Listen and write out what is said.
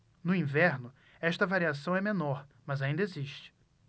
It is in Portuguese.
no inverno esta variação é menor mas ainda existe